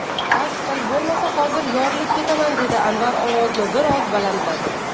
bas qil bo'lmasa hozir yorilib ketaman dedi anvar ovozini bir oz balandlatib